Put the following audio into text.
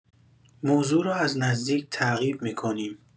موضوع را از نزدیک تعقیب می‌کنیم.